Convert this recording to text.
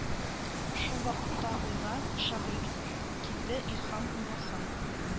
Шул вакытта уйла, шагыйрь: килде илһам, уйласаң